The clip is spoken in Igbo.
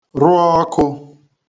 rụ ọkụ̄